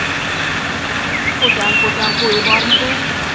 qo'tan qo'tan qo'yi bormidi